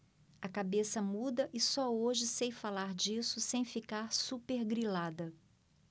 a cabeça muda e só hoje sei falar disso sem ficar supergrilada